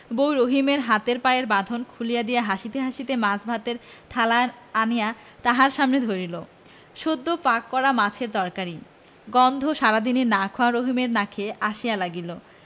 বউ রহিমের হাতের পায়ের বাঁধন খুলিয়া দিয়া হাসিতে হাসিতে মাছ ভাতের থালা আনিয়া তাহার সামনে ধরিল সদ্য পাক করা মাছের তরকারির গন্ধ সারাদিনের না খাওয়া রহিমের নাকে আসিয়া লাগিল